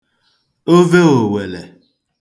ove òwèlè